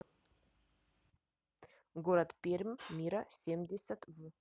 город пермь мира семьдесят в